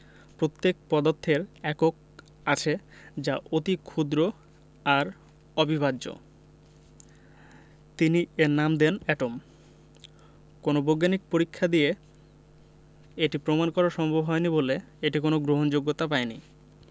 পত্যেক পদার্থের একক আছে যা অতি ক্ষুদ্র আর অবিভাজ্য তিনি এর নাম দেন এটম কোনো বৈজ্ঞানিক পরীক্ষা দিয়ে এটি প্রমাণ করা সম্ভব হয়নি বলে এটি কোনো গ্রহণযোগ্যতা পায়নি